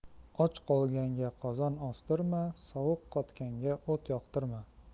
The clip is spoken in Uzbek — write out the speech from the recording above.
och qolganga qozon ostirma sovuq qotganga o't yoqtirma